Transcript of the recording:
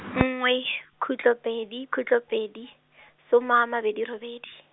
nngwe, khutlo pedi khutlo pedi, soma a mabedi robedi.